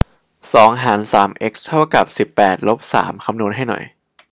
สองหารสามเอ็กซ์เท่ากับสิบแปดลบสามคำนวณให้หน่อย